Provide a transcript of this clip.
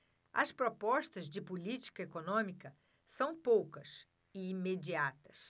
as propostas de política econômica são poucas e imediatas